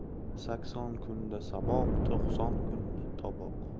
sakson kunda saboq to'qson kunda toboq